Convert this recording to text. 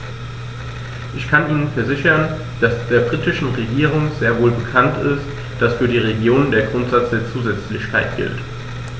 Ich kann Ihnen versichern, dass der britischen Regierung sehr wohl bekannt ist, dass für die Regionen der Grundsatz der Zusätzlichkeit gilt.